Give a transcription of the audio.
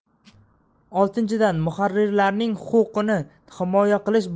oltinchidan muharrirlarning xuquqini himoya qilish